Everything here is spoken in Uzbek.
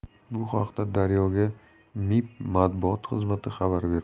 bu haqda daryo ga mib matbuot xizmati xabar bermoqda